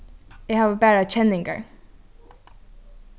eg havi bara kenningar